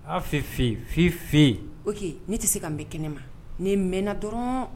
Aa fifi fifi ! ok ne ti se ka mɛ kɛnɛma. Ni n mɛna dɔrɔn